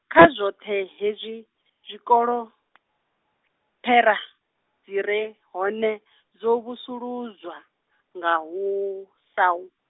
kha zwoṱhe hezwi, zwikolo , phera, dzi re, hone, dzo vusuludzwa, nga husaw.